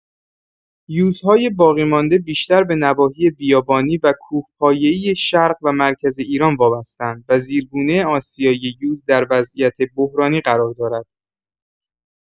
یوزهای باقی‌مانده بیشتر به نواحی بیابانی و کوهپایه‌ای شرق و مرکز ایران وابسته‌اند و زیرگونه آسیایی یوز در وضعیت بحرانی قرار دارد.